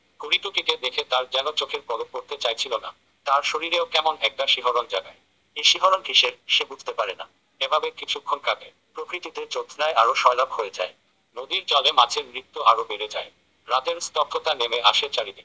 করিটুকিকে দেখে তার যেন চোখের পলক পরতে চাইছিল না তার শরীরেও কেমন একটা শিহরণ জাগায় এ শিহরণ কীসের সে বুঝতে পারে না এভাবে কিছুক্ষণ কাটে প্রকৃতিতে জ্যোৎস্নায় আরও সয়লাব হয়ে যায় নদীর জলে মাছের নৃত্য আরও বেড়ে যায় রাতের স্তব্ধতা নেমে আসে চারিদিক